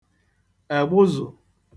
àgbụzụ̀